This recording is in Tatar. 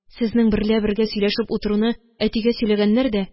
Сезнең берлә бергә сөйләшеп утыруны әтигә сөйләгәннәр дә,